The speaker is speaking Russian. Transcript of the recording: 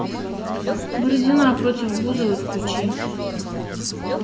бородина против бузовой включи